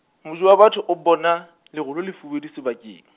Moji wa batho a bona, leru le lefubedu sebakeng.